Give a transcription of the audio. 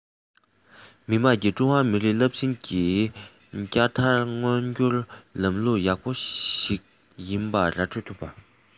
མི དམངས ཀྱིས ཀྲུང ཧྭ མི རིགས རླབས ཆེན བསྐྱར དར མངོན འགྱུར ལམ ལུགས ཡག པོ ཞིག ཡིན པ ར སྤྲོད ཐུབ ཡོད